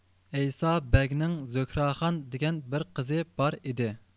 ئەيسا بەگنىڭ زۆھرەخان دېگەن بىر قىزى بار ئىدى